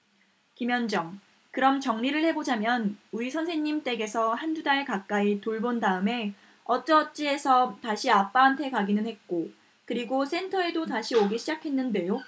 김현정 그럼 정리를 해 보자면 우리 선생님 댁에서 한 두 달 가까이 돌본 다음에 어쩌어찌해서 다시 아빠한테 가기는 했고 그리고 센터에도 다시 오기 시작했는데요